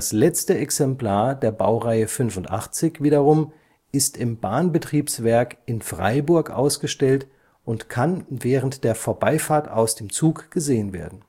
letzte Exemplar der Baureihe 85 wiederum ist im Bahnbetriebswerk in Freiburg ausgestellt und kann während der Vorbeifahrt aus dem Zug gesehen werden